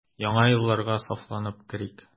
Яңа елларга сафланып керик.